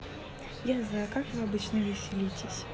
я за как вы обычно веселитесь